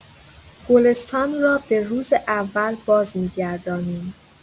گلستان را به‌روز اول بازمی‌گردانیم.